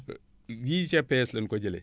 yii GPS lañ ko jëlee